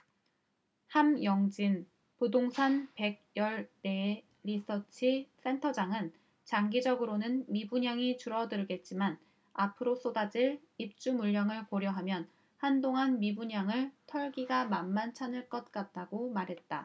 함영진 부동산 백 열 네 리서치센터장은 장기적으로는 미분양이 줄어들겠지만 앞으로 쏟아질 입주물량을 고려하면 한동안 미분양을 털기가 만만찮을 것 같다고 말했다